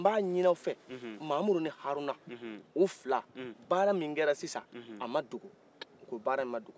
n b'a ɲinin aw fɛ mamudu ni haruna u fila baara min kɛra sinsa a ma dogo